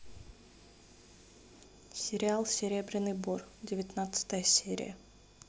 сериал серебряный бор девятнадцатая серия